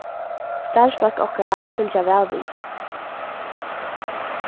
starvsfólk okkara fylgja væl við